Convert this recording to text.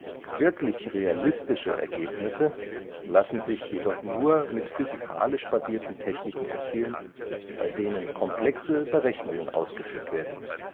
Wirklich realistische Ergebnisse lassen sich jedoch nur mit physikalisch basierten Techniken erzielen, bei denen komplexe Berechnungen ausgeführt werden müssen